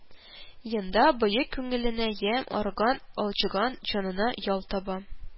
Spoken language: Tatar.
Енда боек күңеленә ямь, арыган-алҗыган җанына ял таба